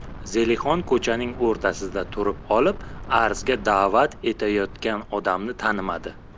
zelixon ko'chaning o'rtasida turib olib arzga da'vat etayotgan odamni tanimadi